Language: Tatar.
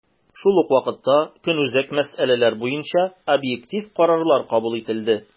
Шул ук вакытта, көнүзәк мәсьәләләр буенча объектив карарлар кабул ителде.